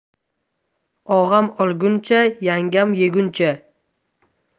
og'am olguncha yangam yeguncha